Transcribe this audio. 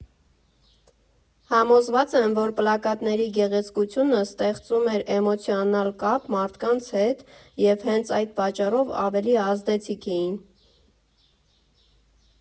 Համոզված եմ, որ պլակատների գեղեցկությունը ստեղծում էր էմոցիոնալ կապ մարդկանց հետ և հենց այդ պատճառով ավելի ազդեցիկ էին։